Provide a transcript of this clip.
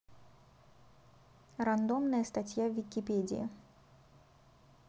рандомная статья в википедии